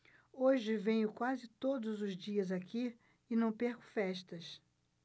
hoje venho quase todos os dias aqui e não perco festas